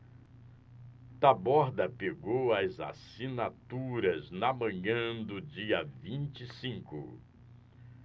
taborda pegou as assinaturas na manhã do dia vinte e cinco